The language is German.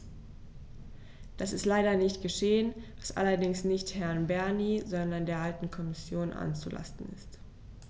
Das ist leider nicht geschehen, was allerdings nicht Herrn Bernie, sondern der alten Kommission anzulasten ist.